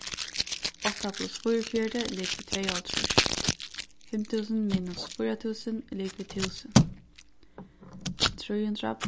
átta pluss fýraogfjøruti er ligvið tveyoghálvtrýss fimm túsund minus fýra túsund er ligvið túsund trý hundrað